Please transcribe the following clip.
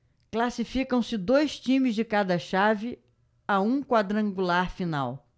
classificam-se dois times de cada chave a um quadrangular final